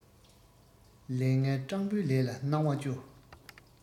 ལྟོ ཕྱིར གཞན མིག ཁྲེལ བ སྙིང པོ ཟད